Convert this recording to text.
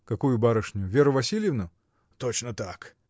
— Какую барышню: Веру Васильевну? — Точно так.